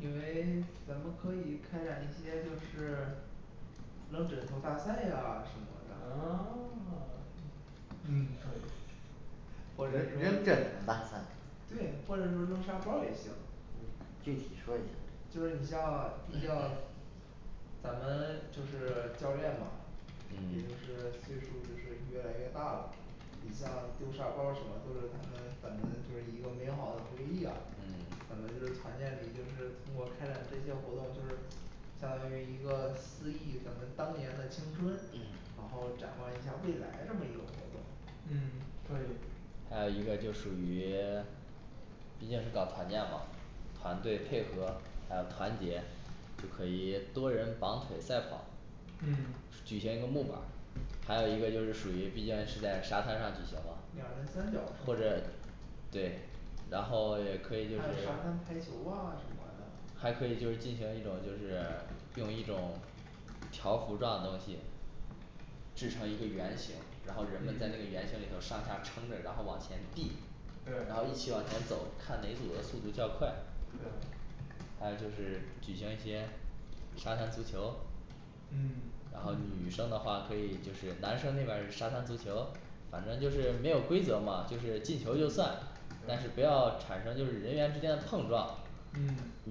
因为咱们可以开展一些就是扔枕头大赛啊什么嗯的呃 嗯可以或者说扔枕头大赛 对或者说扔沙包也行具体说一就下儿是你像你像咱们就是教练呢也就嗯是岁数也是越来越大了你像丢沙包儿什么都是可能咱们就是一个美好的回忆啊可能嗯就是团建里就是通过开展这些活动就是相当于一个思忆咱们当年的青春然后展望一下未来这么一个活嗯可动以还有一个就属于 毕竟搞团建嘛团队配合还有团结就可以多人绑腿赛跑举行一个嗯木板儿还有一个就是属于毕竟是在沙滩上举行嘛两人三角是或吗者对然后也可还以就是有沙滩排球啊什么的还可以就是进行一种就是 用一种条幅状东西制成一个圆形然后人们在那个嗯圆形里头上下撑着然后往前递然后一起往前对走看哪组的速度较快对还有就是举行一些沙滩足球嗯然后女生的话可以就是男生那边儿是沙滩足球反正就是没有规则嘛就是进球就算但是不对要产生就是人员之间的碰撞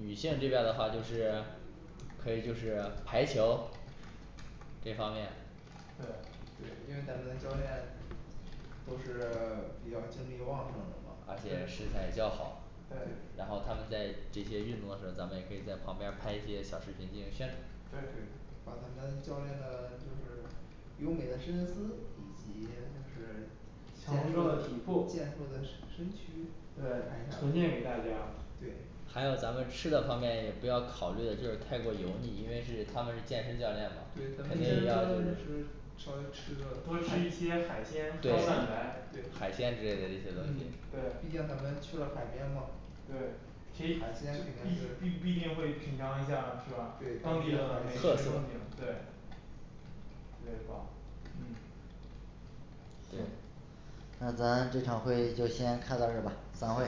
嗯性这边儿的话就是可以就是排球这方面对对因为咱们男教练都是 比较精力旺盛的嘛而且身材较好然后他们对对在这些运动的时候咱们也可以在旁边儿拍一些小视频进行宣传对把咱们教练的就是优美的身姿以及就是强大的体魄对健硕的是 身躯对呈现给大家还有咱们吃的方面也不要考虑的就是太过油腻因为是他们是健身教练嘛对咱们尽量就是稍微吃的，多吃一些海鲜胶对原蛋白对对对海鲜之类的这些东西嗯毕竟咱们去了海边嘛这其必实海鲜里面是必对必定会品尝一下是吧当地的美食特色风景对对吧嗯行对那咱这场会议就先开到这儿吧散会